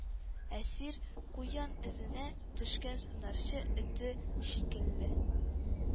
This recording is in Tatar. Әсир, куян эзенә төшкән сунарчы эте шикелле,